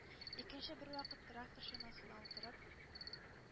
Икенче бервакыт, трактор чанасына утырып,